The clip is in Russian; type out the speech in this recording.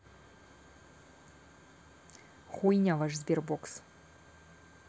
хуйня ваш sberbox